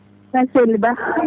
a selli Ba